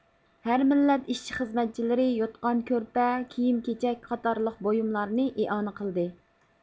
ھەر مىللەت ئىشچى خىزمەتچىلىرى يوتقان كۆرپە كىيىم كېچەك قاتارلىق بۇيۇملارنى ئىئانە قىلدى